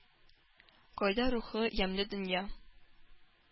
Кайда рухлы ямьле дөнья,